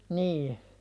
niin